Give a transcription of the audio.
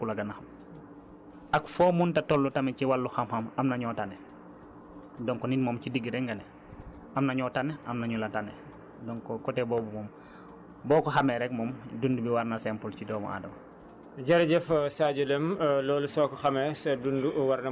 parce que xam-xam du doy ak loo xam xam xam ci àdduna am na ku la gën a xam ak foo mën a toll tamit ci wàllu xam-xam am na ñoo tane donc nit moom si digg rekk nga ne am na ñoo tane am na ñu la tane donc côté boobu moom boo ko xamee rekk moom dund bi war na simple ci doomu Adama